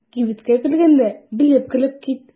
Кибеткә кергәндә белеп кереп кит.